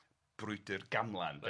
Brwydyr gamlan... Reit...